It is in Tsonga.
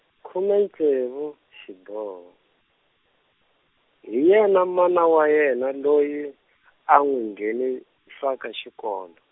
khume ntsevu, xiboho, hi yena mana wa yena loyi, a n'wi nghenisaka xikolo.